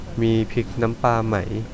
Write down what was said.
มีพริกน้ำปลาไหม